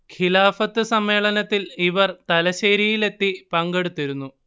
ഖിലാഫത്ത് സമ്മേളനത്തിൽ ഇവർ തലശ്ശേരിയിൽ എത്തി പങ്കെടുത്തിരുന്നു